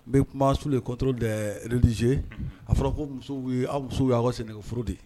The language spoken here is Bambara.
N bɛ kuma su de kɔto dɛ ze a fɔra ko musow y' ka senf furu de ye